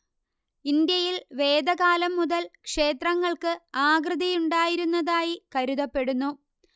ഇന്ത്യയിൽ വേദകാലം മുതൽ ക്ഷേത്രങ്ങൾക്ക് ആകൃതി ഉണ്ടായിരുന്നതായി കരുതപ്പെടുന്നു